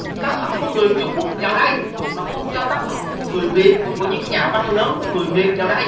tác phẩm của người trung quốc vào đây mà không cho tác phẩm của người việt của của những nhà văn lớn của người việt vào đây